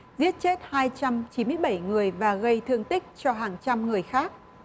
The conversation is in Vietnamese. giết chết hai trăm chín mươi bảy người và gây thương tích cho hàng trăm người khác